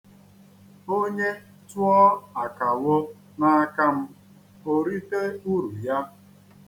Onye tụọ isusu n'aka m, o rite uru ya.